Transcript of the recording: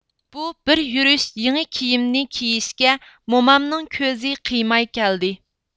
بۇ بىر يۈرۈش يېڭى كىيىمنى كىيىشكە مومامنىڭ كۆزى قىيماي كەلدى